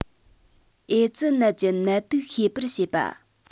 ཨེ ཙི ནད ཀྱི ནད དུག ཤེས པར བྱེད པ